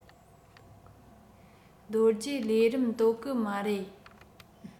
རྡོ རྗེ ལས རིམ དོ གུ མ རེད